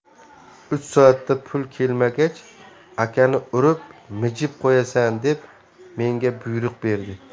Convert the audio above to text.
uch soatda pul kelmagach akani urib mijib qo'yasan deb menga buyruq berdi